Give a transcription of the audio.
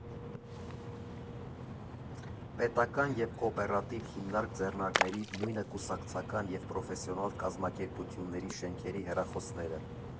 Պետական և կոոպերատիվ հիմնարկ֊ձեռնարկների, նույնը կուսակցական և պրոֆեսիոնալ կազմակերպությունների շենքերի հեռախոսները.